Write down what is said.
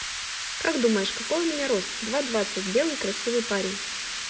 как думаешь какой у меня рост два двадцать белый красивый парень